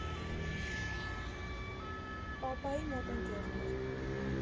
Պապայի մոտ ընկերն էր։